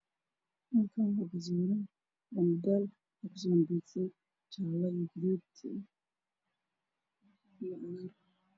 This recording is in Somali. Meeshan waxa yaalo sariir aad u qurxoon OO kalar Cadan iyo madow isku jir ah